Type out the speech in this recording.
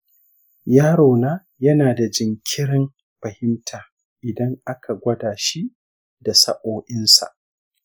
yarona yana da jinkirin fahimta idan aka gwada shi da sa'o'ins